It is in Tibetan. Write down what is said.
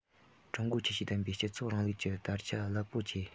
ཀྲུང གོའི ཁྱད ཆོས ལྡན པའི སྤྱི ཚོགས རིང ལུགས ཀྱི དར ཆ རླབས པོ ཆེ